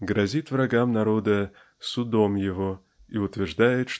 грозит врагам народа судом его и утверждает